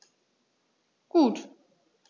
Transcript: Gut.